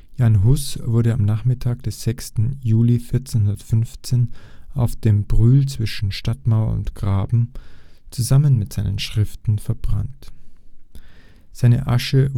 Jan Hus wurde am Nachmittag des 6. Juli 1415 auf dem Brühl, zwischen Stadtmauer und Graben, zusammen mit seinen Schriften verbrannt. Seine Asche